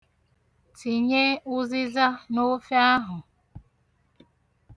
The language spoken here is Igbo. Tinye ụzịza n'ofe ahụ